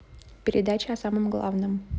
передача о самом главном